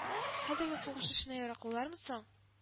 - хәзерге сугыш эшенә яраклылармы соң